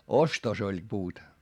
ostossa oli puut